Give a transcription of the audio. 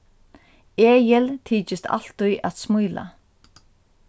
egil tykist altíð at smíla